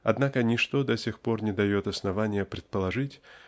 Однако ничто до сих пор не дает основания предположить